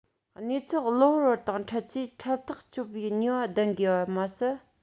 གནས ཚུལ གློ བུར བ དང འཕྲད ཚེ འཕྲལ ཐག གཅོད པའི ནུས པ ལྡན དགོས པ མ ཟད